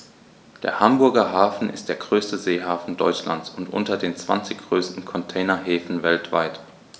Der Hamburger Hafen ist der größte Seehafen Deutschlands und unter den zwanzig größten Containerhäfen weltweit.